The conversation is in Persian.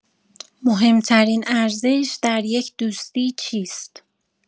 مهم‌ترین ارزش در یک دوستی چیست؟